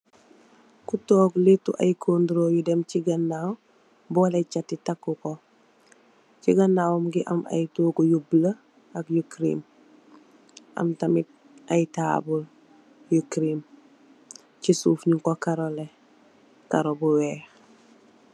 Ku tog letu ay kodoro letu yu dem ci ganaw, bolei chatti takako, ci ganawam mungi amme toggu yu bu ak yu creem am tamit ay tabul yu creem, ci suuf yu ko karo leei karo bu weex.